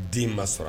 Den ma sara